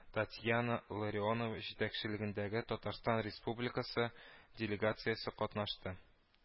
Татьяна Ларионова җитәкчелегендәге Татарстан Республикасы делегациясе катнашты